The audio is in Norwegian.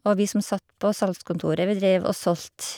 Og vi som satt på salgskontoret, vi dreiv og solgte.